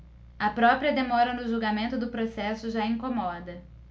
a própria demora no julgamento do processo já incomoda